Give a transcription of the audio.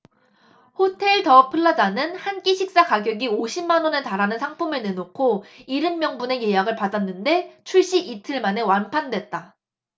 호텔 더 플라자는 한 끼 식사 가격이 오십 만원에 달하는 상품을 내놓고 일흔 명분 예약을 받았는데 출시 이틀 만에 완판됐다